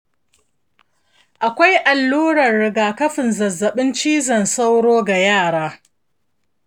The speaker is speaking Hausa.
akwai allurar rigakafin zazzabin cizon sauro ga yara